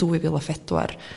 dwy fil a phedwar